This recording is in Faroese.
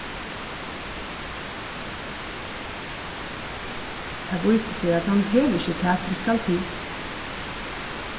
tað vísir seg at hann hevur ikki tað sum skal til